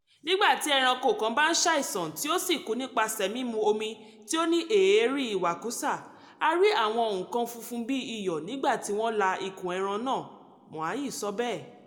"Nígbà tí ẹranko kan bá ń ṣàìsàn tí ó sì kú nípasẹ̀ mímu omi tí ó ní èérí ìwakùsà, a rí àwọn nǹkan funfun bíi iyọ̀ nígbàtí wọ́n la ikùn ẹran náà," Moahl sọ bẹ́ẹ̀.